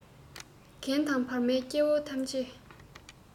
རྒན དང བར མའི སྐྱེ བོ ཐམས ཅད